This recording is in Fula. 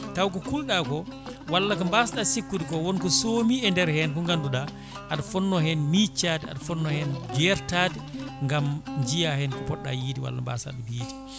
taw ko kulɗa ko walla ko mbasɗa sikkude ko wonko soomi e nder hen ko ganduɗa aɗa fonno hen miccade aɗa fonno hen jertade gaam jiiya hen ko poɗɗa yiide walla mbasa ɗum yiide